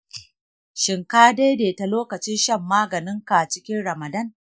shin ka daidaita lokacin shan maganinka cikin ramadan?